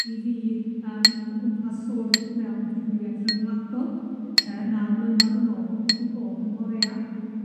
i fi yym o gwmpas cwrdd mewn digwyddiad rhyngwladol yy naw mlynadd yn ôl yn digwydd bod yng Nghorea